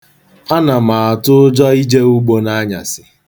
Ana m atụ ụjọ ije ugbo n’anyasị